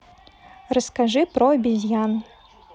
расскажи про обезьян